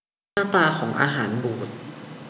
หน้าตาของอาหารบูด